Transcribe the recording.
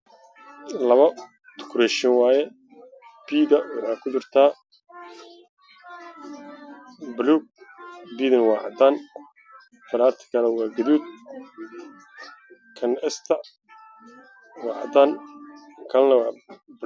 Meeshan waa qoraal ka kooban laba xaraf b e s